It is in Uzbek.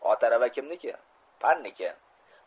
ot arava kimniki panniki